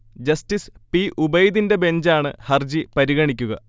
Justice P. ഉബൈദിന്റെ ബഞ്ചാണ് ഹർജി പരിഗണിക്കുക